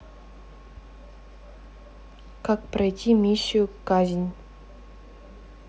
как пройти миссию казнь